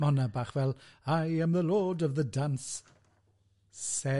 Ma' hwnna bach fel, I am the lord of the dance, said he.